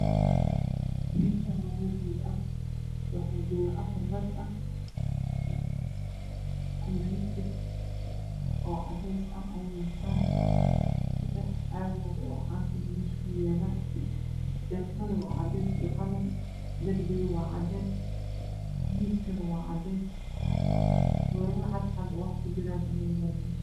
Mashan waa melhool ah wax fadhiyo afar rag ah kubetir aye hantan waxyalo mis wax saran boyo cafi